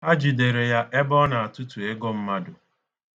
Ha jidere ya ebe ọ na-atụtụ ego mmadụ.